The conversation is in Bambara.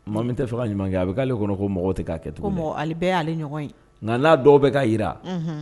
Maa min tɛ se ka ɲuman kɛ a bɛ'ale kɔnɔ ko mɔgɔ tɛ' kɛ to bɛɛ y'ale ɲɔgɔn ye nka n'a dɔw bɛ ka yi